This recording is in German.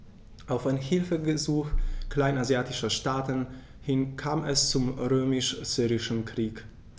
Auf ein Hilfegesuch kleinasiatischer Staaten hin kam es zum Römisch-Syrischen Krieg.